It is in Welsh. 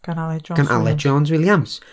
Gan Aled Jones Williams... Gan Aled Jones Williams.